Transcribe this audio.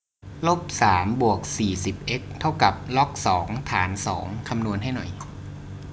ลบสามบวกสี่สิบเอ็กซ์เท่ากับล็อกสองฐานสองคำนวณให้หน่อย